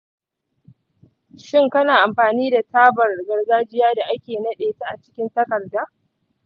shin kana amfani da tabar gargajiya da ake nade ta a cikin takarda?